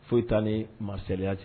Foyi tan ni masayase